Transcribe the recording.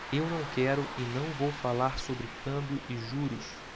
eu não quero e não vou falar sobre câmbio e juros